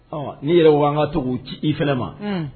' yɛrɛ wka tugu ci i fana ma